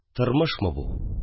Тормышмы бу